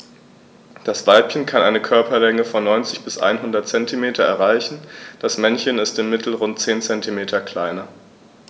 Das Weibchen kann eine Körperlänge von 90-100 cm erreichen; das Männchen ist im Mittel rund 10 cm kleiner.